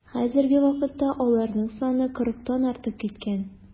Хәзерге вакытта аларның саны кырыктан артып киткән.